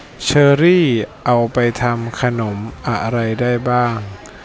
เชอร์รี่เอาไปทำขนมอะไรได้บ้าง